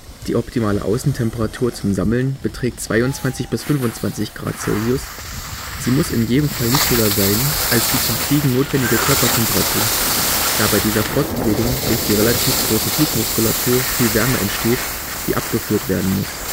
Die optimale Außentemperatur zum Sammeln beträgt 22 bis 25 °C. Sie muss in jedem Fall niedriger sein als die zum Fliegen notwendige Körpertemperatur, da bei dieser Fortbewegung durch die relativ große Flugmuskulatur viel Wärme entsteht, die abgeführt werden muss